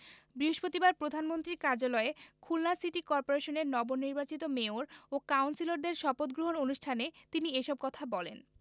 বৃহস্পতিবার প্রধানমন্ত্রীর কার্যালয়ে খুলনা সিটি কর্পোরেশনের নবনির্বাচিত মেয়র ও কাউন্সিলরদের শপথগ্রহণ অনুষ্ঠানে তিনি এসব কথা বলেন